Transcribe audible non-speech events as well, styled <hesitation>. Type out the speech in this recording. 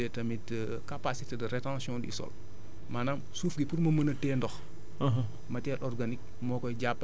mais en même temps li ñuy tuddee tamit <hesitation> capacité de rétention du sol maanaam suuf si pour mu mun a téye ndox